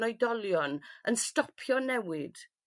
yn oedolion yn stopio newid.